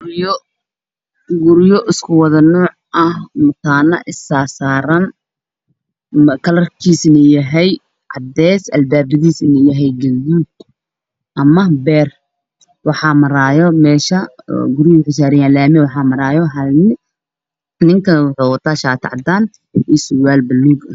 Waa guryo isisaaran oo isku mid ah midabkoodu waa cadeys albaabadiisu waa gaduud iyo beer, laamiga waxaa maraayo nin wato shaati cadaan ah iyo surwaal buluug.